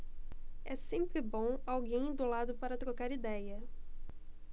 é sempre bom alguém do lado para trocar idéia